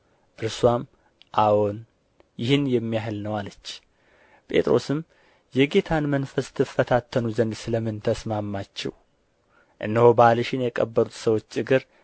እርስዋም አዎን ይህን ለሚያህል ነው አለች ጴጥሮስም የጌታን መንፈስ ትፈታተኑ ዘንድ ስለ ምን ተስማማችሁ እነሆ ባልሽን የቀበሩት ሰዎች እግር